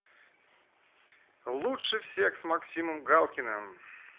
лучше всех с максимом галкиным